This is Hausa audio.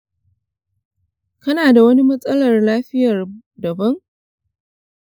kana da wani matsalar lafiyar daban?